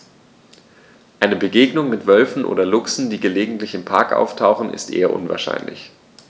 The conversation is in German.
Eine Begegnung mit Wölfen oder Luchsen, die gelegentlich im Park auftauchen, ist eher unwahrscheinlich.